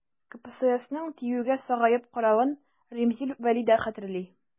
КПССның ТИҮгә сагаеп каравын Римзил Вәли дә хәтерли.